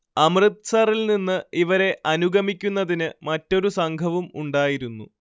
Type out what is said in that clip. അമൃത്സറിൽനിന്ന് ഇവരെ അനുഗമിക്കുന്നതിന് മറ്റൊരു സംഘവും ഉണ്ടായിരുന്നു